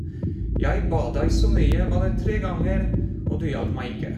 Jeg ba deg så mye, ba deg tre ganger, og du hjalp meg ikke.